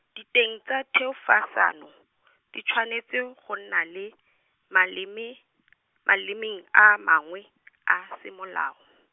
diteng tsa thefosano, di tshwanetse go nna le, maleme, malemeng a mangwe , a semolao.